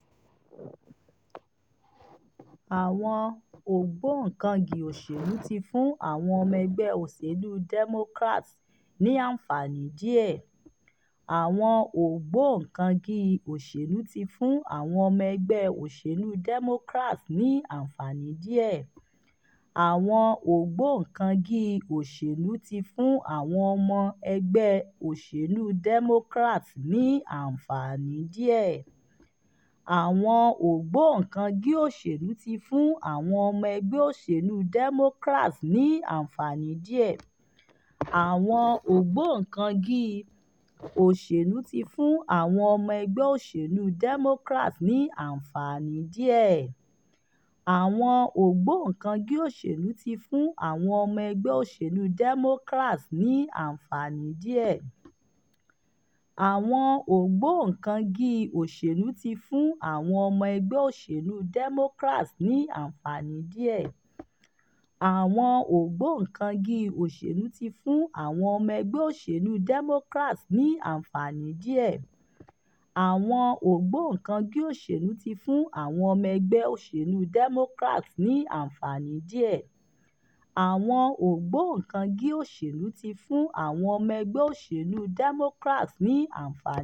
Àwọn ògbóǹkangí òṣèlú ti fún àwọn ọmọ ẹgbẹ́ òṣèlú Democrats ní àǹfààní díẹ̀.